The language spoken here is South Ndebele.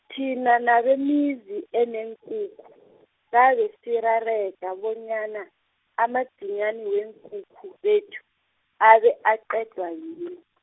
thina nabemizi eneenkukhu, sabe sirareka bonyana, amadzinyani weenkukhu zethu, abe aqedwa yin-.